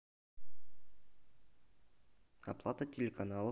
оплата телеканалов